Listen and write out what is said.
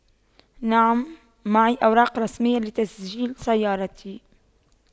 نعم معي أوراق رسمية لتسجيل سيارتي